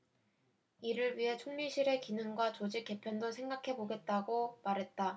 이를 위해 총리실의 기능과 조직 개편도 생각해보겠다고고 말했다